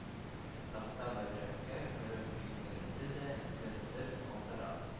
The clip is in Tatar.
Такта бәдрәфкә кереп бикләнде дә, дер-дер калтырап,